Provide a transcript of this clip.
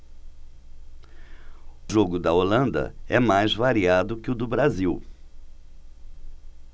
jogo da holanda é mais variado que o do brasil